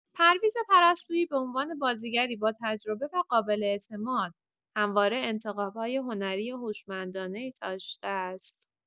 پرویز پرستویی به‌عنوان بازیگری با تجربه و قابل‌اعتماد، همواره انتخاب‌های هنری هوشمندانه‌ای داشته است.